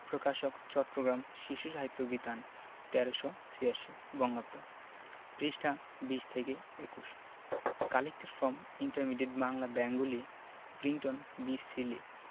প্রকাশকঃ চট্টগ্রাম শিশু সাহিত্য বিতান ১৩৮৬ বঙ্গাব্দ পৃষ্ঠাঃ ২০ ২১ collected from intermediate Bangla Bengali Clinton B Seely